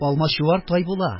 Алмачуар тай була,